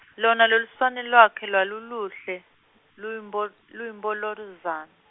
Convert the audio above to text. lona loluswane lwakhe lwaluluhle, luyimpo- luyimpontjolozane.